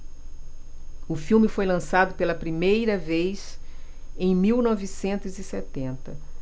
o filme foi lançado pela primeira vez em mil novecentos e setenta